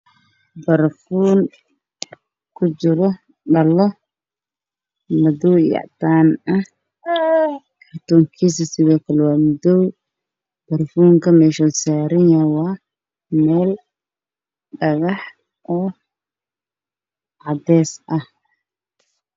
Meeshaan waxaa ka muuqdo barfuun ku jiro dhalo